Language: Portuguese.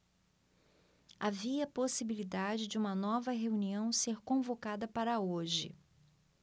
havia possibilidade de uma nova reunião ser convocada para hoje